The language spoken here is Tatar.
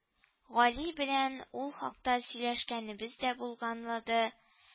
Гали белән ул хакта сөйләшкәнебез дә булганлады